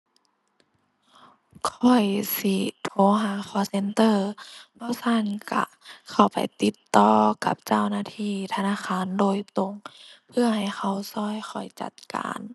ข้อยสิโทรหา call center บ่ซั้นก็เข้าไปติดต่อกับเจ้าหน้าที่ธนาคารโดยตรง เพื่อให้เขาก็ข้อยจัดการ